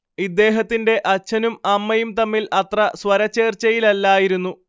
ഇദ്ദേഹത്തിന്റെ അച്ഛനും അമ്മയും തമ്മിൽ അത്ര സ്വരചേർച്ചയിലല്ലായിരുന്നു